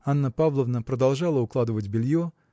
Анна Павловна продолжала укладывать белье